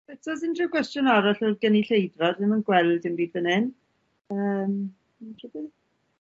Reit o's unrhyw gwestiwn arall o'r gynulleidfa dwi'm yn yn gweld dim byd fan 'yn. Yym unhrywbeth?